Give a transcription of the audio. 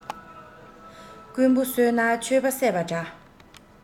རྐུན པོ གསོས ན ཆོས པ བསད པ འདྲ